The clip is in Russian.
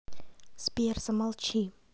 сбер замолчи